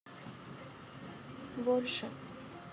больше